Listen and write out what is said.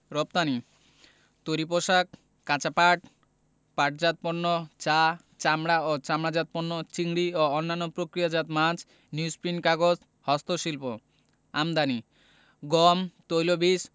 রপ্তানিঃ তৈরি পোশাক কাঁচা পাট ও পাটজাত পণ্য চা চামড়া ও চামড়াজাত পণ্য চিংড়ি ও অন্যান্য প্রক্রিয়াজাত মাছ নিউজপ্রিন্ট কাগজ হস্তশিল্প আমদানিঃ গম তৈলবীজ